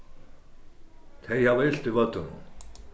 tey hava ilt í vøddunum